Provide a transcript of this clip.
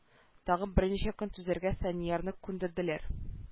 Тагын берничә көн түзәргә фәниярны күндерделәр